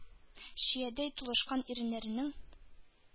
Чиядәй тулышкан иреннәренең,